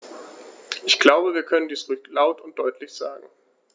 Ich glaube, wir können dies ruhig laut und deutlich sagen.